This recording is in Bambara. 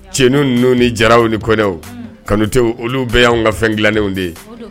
Cenu ninnu ni jararaw ni kɔnɛw, kanutew, olu bɛɛ y'anw ka fɛn dilanenw de ye.